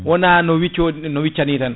wona no wiccoɗi no wicca ni tan